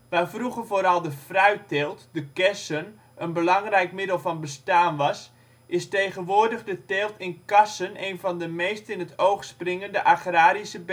Waar vroeger vooral de fruitteelt (kersen) een belangrijk middel van bestaan was is tegenwoordig de teelt in kassen een van de meest in het oog springende agrarische